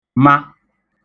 ma